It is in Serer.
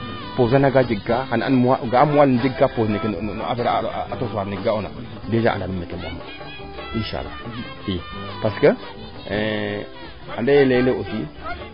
projet nanga jeg kaa xano an ga'a bala im jeg kaa projet na affaire a tosuwaro lene ga'ona inchala parce que ande leeg leeg aussi